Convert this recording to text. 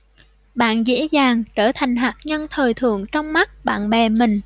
bạn dễ dàng trở thành hạt nhân thời thượng trong mắt bạn bè mình